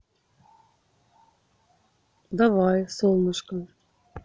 давай солнышко